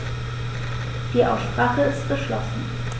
Die Aussprache ist geschlossen.